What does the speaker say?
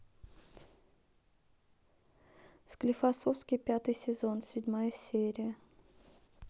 склифосовский пятый сезон седьмая серия